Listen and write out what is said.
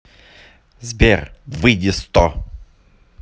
сбер выйди сто